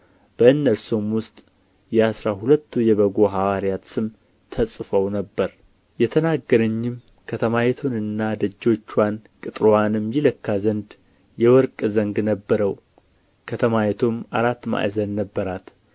በእነርሱም ውስጥ የአሥራ ሁለቱ የበጉ ሐዋርያት ስሞች ተጽፈው ነበር የተናገረኝም ከተማይቱንና ደጆችዋን ቅጥርዋንም ይለካ ዘንድ የወርቅ ዘንግ ነበረው ከተማይቱም አራት ማዕዘን ነበራት